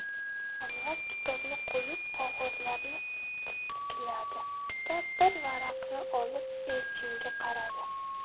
anvar kitobni qo'yib qog'ozlarni titkiladi da bir varaqni olib elchinga qaradi